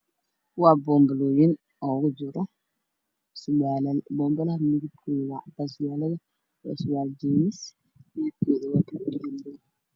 Waa boonbalooyin ogu jiro surwaalal boonbalaha midabkoodu waa caddaan surwaalada waa surwaalal Jeemis midabkoodu waa buluug iyo madow